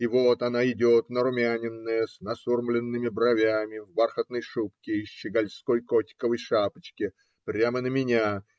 И вот она идет, нарумяненная, с насурмленными бровями, в бархатной шубке и щегольской котиковой шапочке прямо на меня